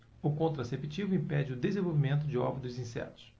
o contraceptivo impede o desenvolvimento de ovos dos insetos